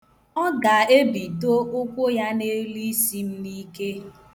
O ga-ebido ụkwụ ya n' elu isi m n' ike.